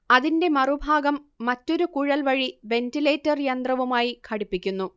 അതിന്റെ മറുഭാഗം മറ്റൊരു കുഴൽ വഴി വെന്റിലേറ്റർ യന്ത്രവുമായി ഘടിപ്പിക്കുന്നു